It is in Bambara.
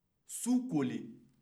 su kora